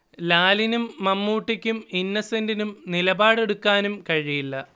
ലാലിനും മമ്മൂട്ടിക്കും ഇന്നസെന്റിനും നിലപാട് എടുക്കാനും കഴിയില്ല